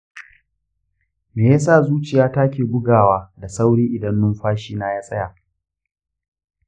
me yasa zuciyata ke bugawa da sauri idan numfashina ya tsaya?